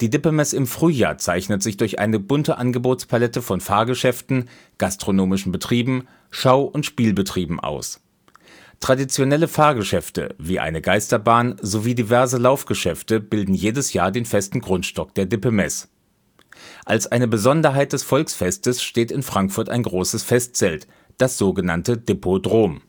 Die Dippemess im Frühjahr zeichnet sich durch eine bunte Angebotspalette von Fahrgeschäften, gastronomischen Betrieben, Schau - und Spielbetrieben aus. Traditionelle Fahrgeschäfte, wie eine Geisterbahn, sowie diverse Laufgeschäfte bilden jedes Jahr den festen Grundstock der Dippemess. Als eine Besonderheit des Volksfestes steht in Frankfurt ein großes Festzelt, das sogenannte Dippodrom